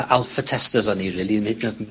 o alpha testers o'n i rili ne' 'yd yn o'd yn...